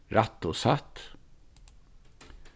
rætt og satt